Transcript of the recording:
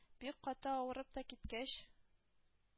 «бик каты авырып та киткәч,